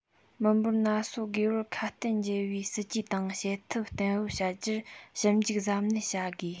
མི འབོར ན སོ རྒས པར ཁ གཏད འཇལ བའི སྲིད ཇུས དང བྱེད ཐབས གཏན འབེབས བྱ རྒྱུར ཞིབ འཇུག གཟབ ནན བྱ དགོས